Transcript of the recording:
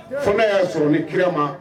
Fanga y'a sɔrɔ ni kira ma